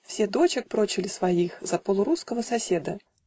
Все дочек прочили своих За полурусского соседа